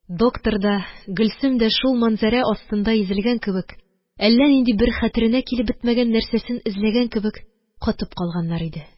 Доктор да, Гөлсем дә шул манзарә астында изелгән кебек, әллә нинди бер хәтеренә килеп бетмәгән нәрсәсен эзләгән кебек катып калганнар иде.